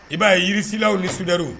I b'a ye yiriirisilaw nisibiriru